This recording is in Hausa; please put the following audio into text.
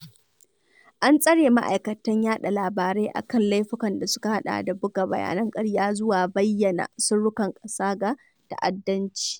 An tsare ma'aikatan yaɗa labarai a kan laifukan da suka haɗa da buga "bayanan ƙarya" zuwa bayyana sirrukan ƙasa ga ta'addanci.